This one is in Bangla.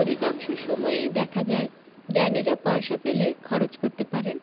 অধিকাংশ সময়েই দেখা যায় জ্ঞানীরা পয়সা পেলে খরচ করতে পারেন